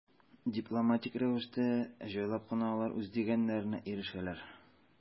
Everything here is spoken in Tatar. Дипломатик рәвештә, җайлап кына алар үз дигәннәренә ирешәләр.